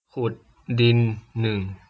ขุดดินหนึ่ง